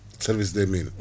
service des mines